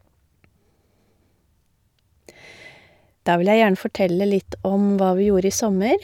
Da vil jeg gjerne fortelle litt om hva vi gjorde i sommer.